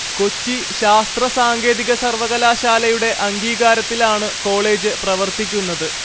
കൊച്ചി ശാസ്ത്ര സാങ്കേതിക സർവ്വകലാശാലയുടെ അംഗീകാരത്തിലാണ് കോളേജ് പ്രവർത്തിക്കുന്നതു്